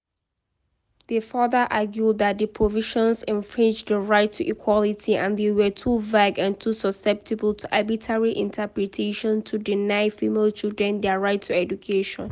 They further argued that the provisions infringed the right to equality and they were too vague and too susceptible to arbitrary interpretation to deny female children their right to education.